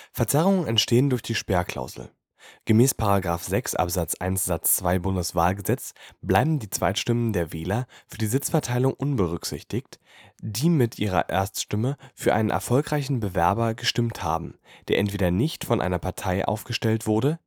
Verzerrungen entstehen durch die Sperrklausel. Gemäß § 6 Abs. 1 Satz 2 BWahlG bleiben die Zweitstimmen der Wähler für die Sitzverteilung unberücksichtigt, die mit ihrer Erststimme für einen erfolgreichen Bewerber gestimmt haben, der entweder nicht von einer Partei aufgestellt wurde